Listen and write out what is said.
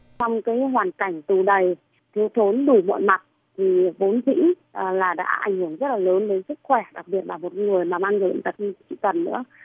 trong cái hoàn cảnh tù đầy thiếu thốn đủ mọi mặt thì vốn dĩ là đã ảnh hưởng rất là lớn đến sức khỏe đặc biệt là một người mà mang nhiều bệnh tật như chú tần nữa